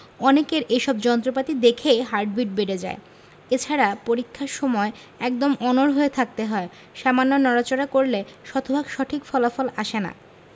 অনেকের এসব যন্ত্রপাতি দেখেই হার্টবিট বেড়ে যায় এছাড়া পরীক্ষার সময় একদম অনড় হয়ে থাকতে হয় সামান্য নড়াচড়া করলে শতভাগ সঠিক ফল আসে না